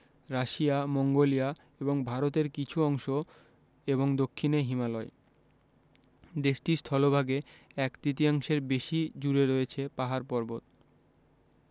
Russia Mongolia এবং ভারতের কিছু অংশ এবং দক্ষিনে হিমালয় দেশটির স্থলভাগে এক তৃতীয়াংশের বেশি জুড়ে রয়ছে পাহাড় পর্বত